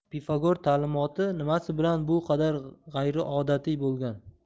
pifagor ta'limoti nimasi bilan bu qadar g'ayriodatiy bo'lgan